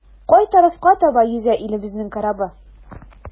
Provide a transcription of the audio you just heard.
Кай тарафка таба йөзә илебезнең корабы?